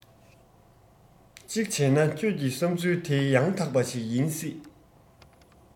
གཅིག བྱས ན ཁྱོད ཀྱི བསམས ཚུལ དེ ཡང དག པ ཞིག ཡིན སྲིད